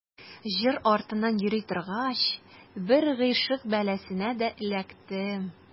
Җыр артыннан йөри торгач, бер гыйшык бәласенә дә эләктем.